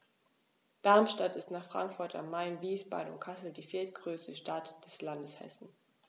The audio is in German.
Darmstadt ist nach Frankfurt am Main, Wiesbaden und Kassel die viertgrößte Stadt des Landes Hessen